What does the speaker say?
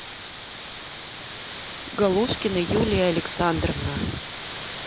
галушкина юлия александровна